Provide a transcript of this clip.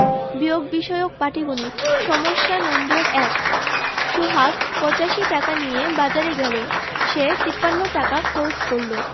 বিয়োগ বিষয়ক পাটিগনিতঃ সমস্যা নম্বর ১ সোহাগ ৮৫ টাকা নিয়ে বাজারে গেল সে ৫৩ টাকা খরচ করল